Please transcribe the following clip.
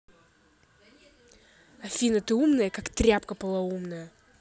афина ты умная как тряпка полоумная